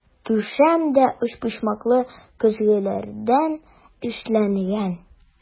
Түшәм дә өчпочмаклы көзгеләрдән эшләнгән.